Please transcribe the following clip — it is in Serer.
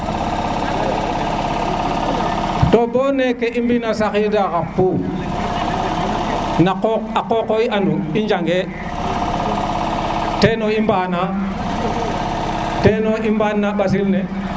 te bo neke i mbi'na saxiida xa pum na qoq a qoqo i andu i njange te no i mbaana te no i mban na ɓasil ne